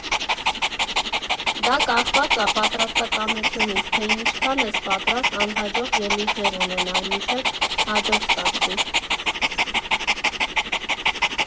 Դա կախված ա պատրաստակամությունից, թե ինչքան ես պատրաստ անհաջող ելույթներ ունենալ, մինչև հաջող ստացվի ։